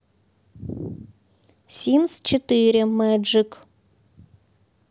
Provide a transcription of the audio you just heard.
симс четыре мэджик